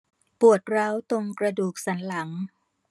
ปวดร้าวตรงกระดูกสันหลัง